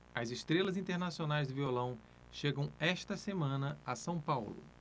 as estrelas internacionais do violão chegam esta semana a são paulo